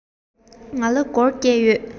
ང ལ སྒོར བརྒྱད ཡོད